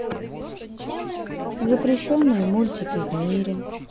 запрещенные мультики в мире